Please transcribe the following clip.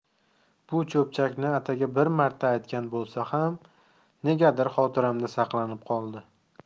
bu cho'pchakni atigi bir marta aytgan bo'lsa ham negadir xotiramda saqlanib qoldi